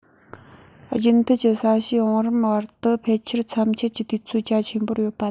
རྒྱུན མཐུད ཀྱི ས གཤིས བང རིམ བར དུ ཕལ ཆེར མཚམས ཆད ཀྱི དུས ཚོད རྒྱ ཆེན པོར ཡོད པ དང